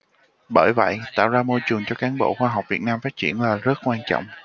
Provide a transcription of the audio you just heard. bởi vậy tạo ra môi trường cho cán bộ khoa học việt nam phát triển là rất quan trọng